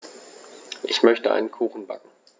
Ich möchte einen Kuchen backen.